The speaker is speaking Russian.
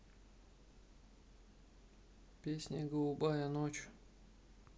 песня голубая ночь